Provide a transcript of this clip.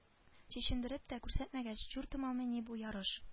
Чишендереп тә күрсәтмәгәч чуртымамыни бу ярыш